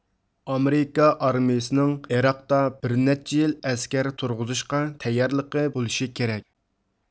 ئامېرىكا ئارمىيىسىنىڭ ئىراقتا بىرنەچچە يىل ئەسكەر تۇرغۇزۇشقا تەييارلىقى بولۇشى كېرەك